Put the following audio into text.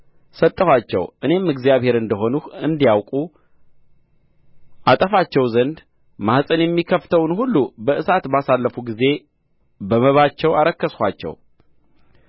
ሰጠኋቸው እኔም እግዚአብሔር እንደ ሆንሁ እንዲያውቁ አጠፋቸው ዘንድ ማኅፀን የሚከፍተውን ሁሉ በእሳት ባሳለፉ ጊዜ በመባቸው አረከስኋቸው